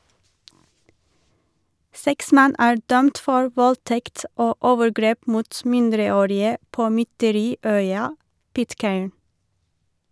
Seks menn er dømt for voldtekt og overgrep mot mindreårige på mytteri-øya Pitcairn.